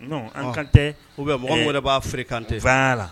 Non an kan tɛ bɛ b'ate la ou bien mɔgɔ min yɛrɛ b'a frequenter voila